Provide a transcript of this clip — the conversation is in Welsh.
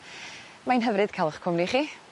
Mae'n hyfryd ca'l 'ych cwmni chi.